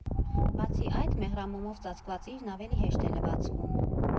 Բացի այդ, մեղրամոմով ծածկված իրն ավելի հեշտ է լվացվում։